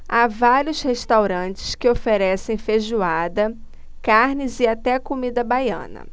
há vários restaurantes que oferecem feijoada carnes e até comida baiana